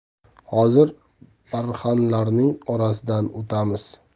hozir barxanlarning orasidan o'tamiz